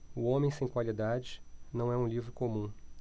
o homem sem qualidades não é um livro comum